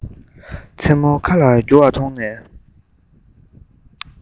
མཚན མོ མཁའ ལ རྒྱུ བ མ མཐོང ནས